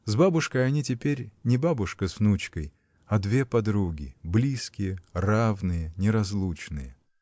С бабушкой они теперь — не бабушка с внучкой, а две подруги, близкие, равные, неразлучные.